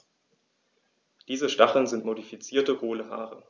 Diese Stacheln sind modifizierte, hohle Haare.